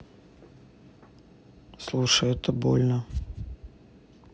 слушай это больно